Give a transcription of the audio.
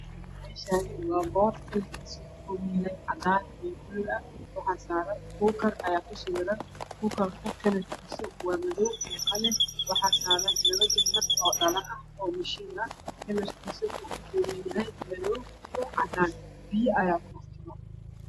Meshaani waa boor midabkiisu ka kooban yahay cadan iyo bulug waxaa saran kukar ayaa ku sawira kukarka kalarkiisu waa madoow iyo qalin waxaa saran laba jelmed oo dhala ah oo mashiin ah kalrkisa wuxuu ka koban yahay madow iyo cadn biyo ayaa ku juro